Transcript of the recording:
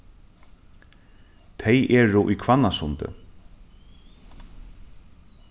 tey eru í hvannasundi